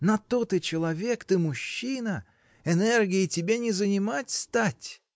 на то ты человек, ты мужчина; энергии тебе не занимать стать!